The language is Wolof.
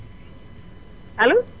allo